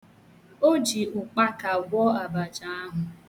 O ji ụkpaka gwọọ abacha ahụ.